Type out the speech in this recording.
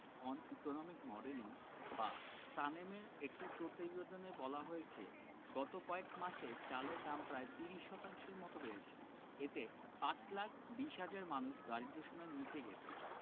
on economic modelling বা সানেমের একটি প্রতিবেদনে বলা হয়েছে গত কয়েক মাসে চালের দাম প্রায় ৩০ শতাংশর মতো বেড়েছে এতে ৫ লাখ ২০ হাজার মানুষ দারিদ্র্যসীমার নিচে গেছে